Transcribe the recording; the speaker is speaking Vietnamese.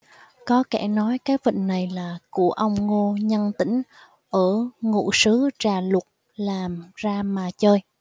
có kẻ nói cái vịnh này là của ông ngô nhân tĩnh ở ngụ xứ trà luộc làm ra mà chơi